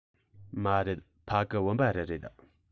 མ རེད ཕ གི བུམ པ རི རེད